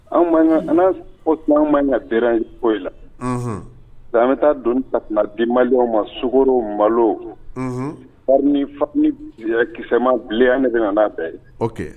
An an mana na baara foyi la an bɛ taa don ta tɛna di mali ma sogorow malo ni ni kisɛma bilen an ne bɛna na n'a bɛɛ ye